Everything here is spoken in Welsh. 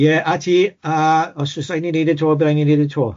Ie a ti a os raid ni neud e 'to by' raid ni neud e eto.